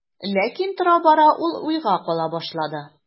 Ләкин тора-бара ул уйга кала башлады.